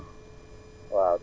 bokk na